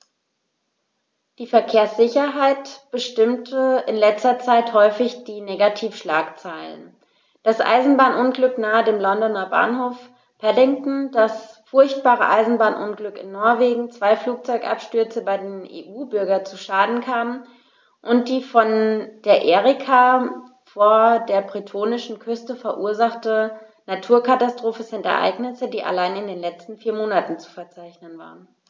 Die Verkehrssicherheit bestimmte in letzter Zeit häufig die Negativschlagzeilen: Das Eisenbahnunglück nahe dem Londoner Bahnhof Paddington, das furchtbare Eisenbahnunglück in Norwegen, zwei Flugzeugabstürze, bei denen EU-Bürger zu Schaden kamen, und die von der Erika vor der bretonischen Küste verursachte Naturkatastrophe sind Ereignisse, die allein in den letzten vier Monaten zu verzeichnen waren.